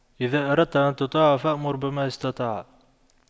إذا أردت أن تطاع فأمر بما يستطاع